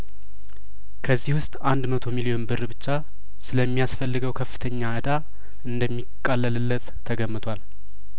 ከዚህ ውስጥ አንድ መቶ ሚሊዮን ብር ብቻ ስለሚ ያስፈልገው ከፍተኛ እዳ እንደሚቃለልለት ተገምቷል